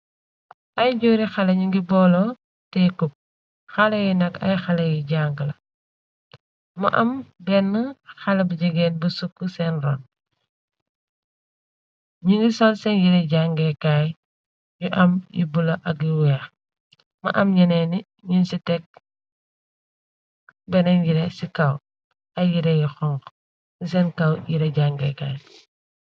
ay joori xale ñu ngi boolo tee kub xale yi nag ay xale yi jang la mo am benn xale b jegéen bu sukk seen ron ñu ngi son seen yire jangeekaay yu am yu bula ak yu weex ma am ñeneene ñin ci tekk benen yir ci kaw ay yireyi xong ni seen kaw yire jangeekaay